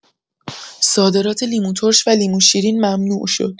صادرات لیموترش و لیموشیرین ممنوع شد.